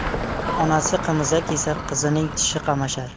onasi qimizak yesa qizining tishi qamashar